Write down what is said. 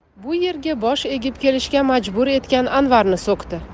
bu yerga bosh egib kelishga majbur etgan anvarni so'kdi